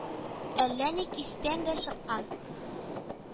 Әллә ник истән дә чыккан